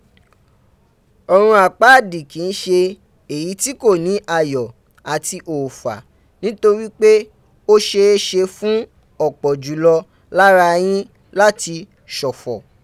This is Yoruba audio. Ọ̀run àpáàdì kì í ṣe èyí tí kò ní ayọ̀ àti òòfà nítorí pé ó ṣeé ṣe fún ọ̀pọ̀ jù lọ lára yín láti ṣọ̀fọ̀.